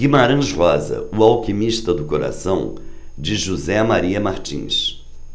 guimarães rosa o alquimista do coração de josé maria martins